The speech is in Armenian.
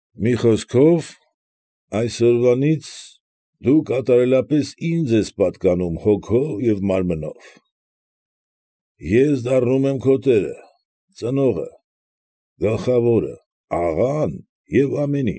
Մի խոսքով, այսօրվանից դու կատարելապես ինձ ես պատկանում հոգով և մարմնով, ես դառնում եմ թո տերը, ծնողը, գլխավորը, աղան և ամեն։